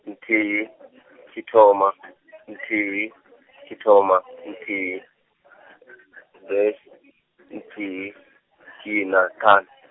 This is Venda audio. nthihi, tshithoma, nthihi, tshithoma, nthihi, dash, nthihi, ina ṱhanu.